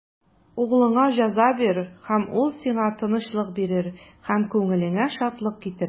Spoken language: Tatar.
Углыңа җәза бир, һәм ул сиңа тынычлык бирер, һәм күңелеңә шатлык китерер.